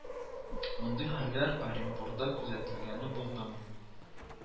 Мондый хәлләр Оренбурда күзәтелгәне булдымы